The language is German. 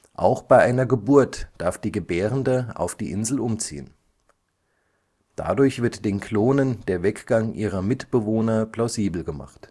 Auch bei einer Geburt darf die Gebärende auf die Insel umziehen. Dadurch wird den Klonen der Weggang ihrer „ Mitbewohner “plausibel gemacht